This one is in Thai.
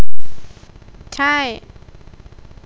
ใช่